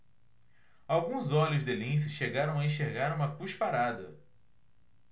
alguns olhos de lince chegaram a enxergar uma cusparada